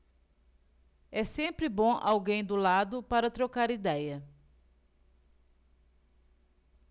é sempre bom alguém do lado para trocar idéia